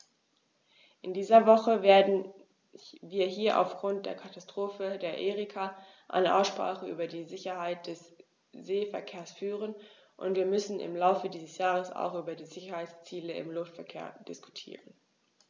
In dieser Woche werden wir hier aufgrund der Katastrophe der Erika eine Aussprache über die Sicherheit des Seeverkehrs führen, und wir müssen im Laufe dieses Jahres auch über die Sicherheitsziele im Luftverkehr diskutieren.